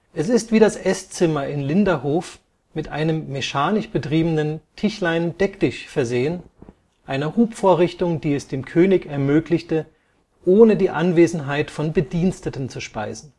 Es ist wie das Esszimmer in Linderhof mit einem mechanisch betriebenen Tischlein-Deck-Dich versehen, einer Hubvorrichtung, die es dem König ermöglichte, ohne die Anwesenheit von Bediensteten zu speisen